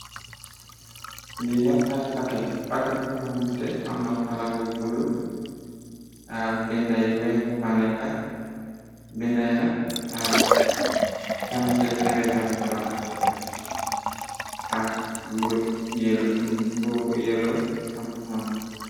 Di nak ay paket, paket bu amante amna kola bu bulu, binday weexñu faneekax, bindaynak a kansil eresalen je, ak bu yëlo, ak bu hong.